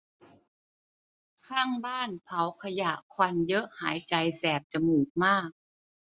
ข้างบ้านเผาขยะควันเยอะหายใจแสบจมูกมาก